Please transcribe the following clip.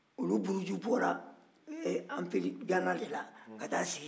olu buruju bɔra anpiridugana ka taa sigi yen